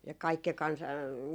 ja kaikki kansa